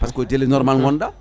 par ce que koye delais normal gonɗa